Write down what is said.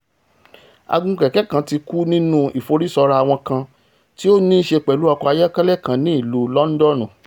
Agunkẹ̀kẹ́ kan ti kú nínú ìforísọrawọn kan tí ó nííṣe pẹ̀lú ọkọ ayọ́kẹ́lẹ́ kan ní ìlú Lọndọnu.